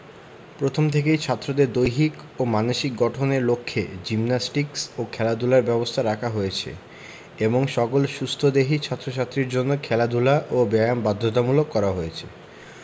প্রথম থেকেই ছাত্রদের দৈহিক ও মানসিক গঠনের লক্ষ্যে জিমনাস্টিকস ও খেলাধুলার ব্যবস্থা রাখা হয়েছে এবং সকল সুস্থদেহী ছাত্র ছাত্রীর জন্য খেলাধুলা ও ব্যায়াম বাধ্যতামূলক করা হয়েছে